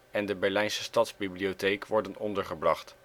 en de Berlijnse stadsbibliotheek worden ondergebracht